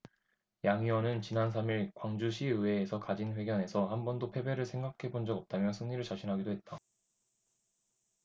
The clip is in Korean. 양 위원은 지난 삼 일 광주시의회에서 가진 회견에서 한번도 패배를 생각해 본 적 없다며 승리를 자신하기도 했다